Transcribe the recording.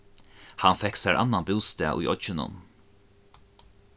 hann fekk sær annan bústað í oyggjunum